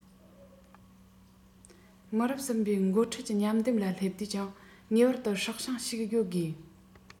མི རབས གསུམ པའི འགོ ཁྲིད ཀྱི མཉམ བསྡེབ ལ སླེབས དུས ཀྱང ངེས པར དུ སྲོག ཤིང ཞིག ཡོད དགོས